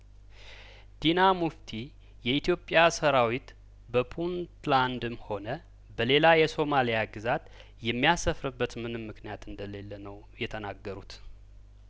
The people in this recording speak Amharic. ዲና ሙፍቲ የኢትዮጵያ ሰራዊት በፑንት ላድም ሆነ በሌላ የሶማሊያ ግዛት የሚያሰፍርበት ምንም ምክንያት እንደሌለ ነው የተናገሩት